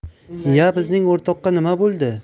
iya bizning o'rtoqqa nima bo'ldi